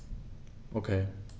Okay.